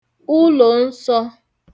ulò nsọ̄